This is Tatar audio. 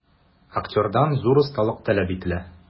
Актердан зур осталык таләп ителә.